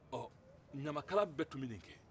ɔ ɲamakala bɛɛ tun bɛ nin kɛ